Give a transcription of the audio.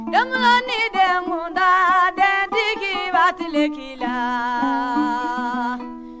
denmusonin denkuntannu dentigi b'a tile k'i la